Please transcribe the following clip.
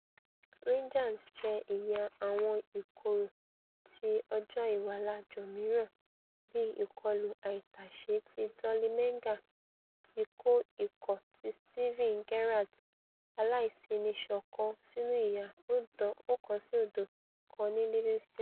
Rangers jẹ ìyà àwọn ìkorò ti ọjọ-ìwàlájò mìíràn bí ìkọlù-àìtàṣé ti Dolly Menga ti kó ikọ̀ ti Steven Gerrard aláìsínísọ̀kan sínú ìyà 1-0 kan ní Livingston.